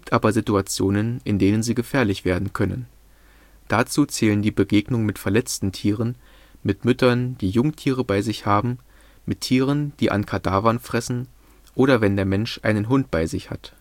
aber Situationen, in denen sie gefährlich werden können. Dazu zählen die Begegnung mit verletzten Tieren, mit Müttern, die Jungtiere bei sich haben, mit Tieren, die an Kadavern fressen, oder wenn der Mensch einen Hund bei sich hat